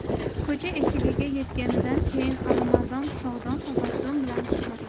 ko'cha eshigiga yetganidan keyin alimardon shodon tabassum bilan shivirladi